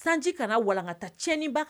Sanji kana na walankatacinba kan